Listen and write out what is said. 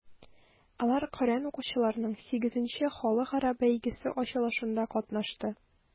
Алар Коръән укучыларның VIII халыкара бәйгесе ачылышында катнашты.